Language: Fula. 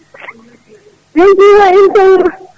*